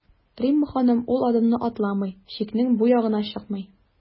Римма ханым ул адымны атламый, чикнең бу ягына чыкмый.